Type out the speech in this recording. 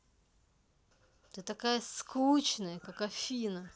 ты такая скучная как афина